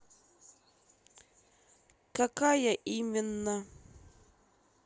какая именно